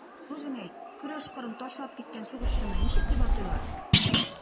Үзең әйт, көрәш кырын ташлап киткән сугышчыны ничек дип атыйлар?